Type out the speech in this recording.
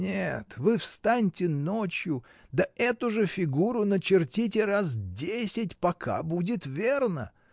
— Нет, вы встаньте ночью да эту же фигуру начертите раз десять, пока будет верно.